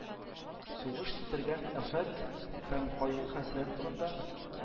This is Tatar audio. Сугыш китергән афәт һәм кайгы-хәсрәт турында